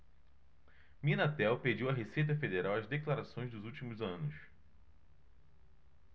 minatel pediu à receita federal as declarações dos últimos anos